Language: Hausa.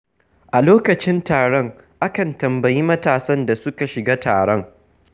A lokacin taron, akan tambayi matasan da suka shiga taron: